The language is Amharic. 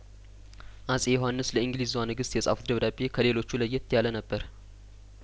አጼ ዮሀንስ ለእንግሊዟን ግስት የጻፉት ደብዳቤ ከሌሎቹ ለየት ያለ ነበር